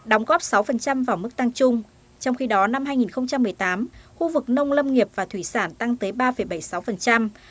đóng góp sáu phần trăm vào mức tăng chung trong khi đó năm hai nghìn không trăm mười tám khu vực nông lâm nghiệp và thủy sản tăng tới ba phảy bảy sáu phần trăm